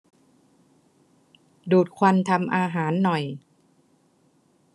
ดูดควันทำอาหารหน่อย